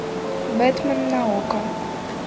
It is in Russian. бэтмен на окко